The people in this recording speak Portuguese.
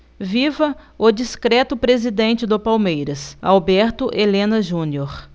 viva o discreto presidente do palmeiras alberto helena junior